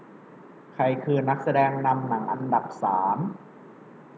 ใครคือนักแสดงนำหนังอันดับสาม